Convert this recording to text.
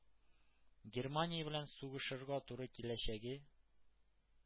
Германия белән сугышырга туры киләчәге